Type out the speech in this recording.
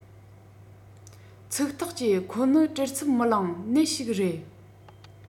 ཚིག ཐག བཅད ཁོ ནི བྲེལ འཚུབ མི ལངས ནད ཞིག རེད